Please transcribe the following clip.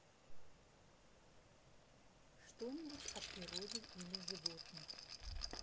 что нибудь о природе или животных